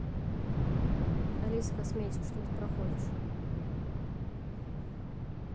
алиса косметика что ты проходишь